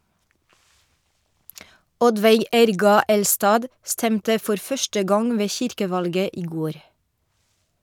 Oddveig Erga Elstad stemte for første gang ved kirkevalget i går.